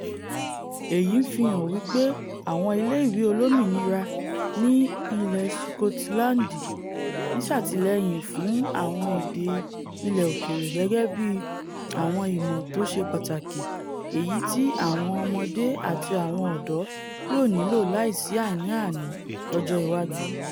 Èyì ńfihàn wí pé àwọn ilé ìwé olómìnira ní ilẹ Sikọtilandi ńṣàtílẹ́yìn fún àwọn èdè ilẹ̀ òkèèrè gẹ́gẹ́bí àwọn ìmọ̀ tóṣe pàtàkì èyìtí àwọn ọmọdé àti àwọn ọ̀dọ́ yóò nílò láisì àní-àní lọ́jọ́ iwájú.